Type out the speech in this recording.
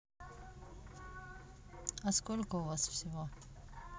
а сколько у вас всего